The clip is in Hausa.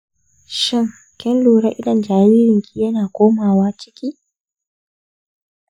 shin kin lura idon jaririnki yana komawa ciki?